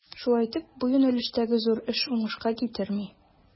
Шулай итеп, бу юнәлештәге зур эш уңышка китерми.